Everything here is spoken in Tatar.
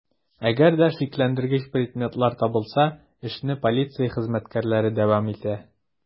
Әгәр дә шикләндергеч предметлар табылса, эшне полиция хезмәткәрләре дәвам итә.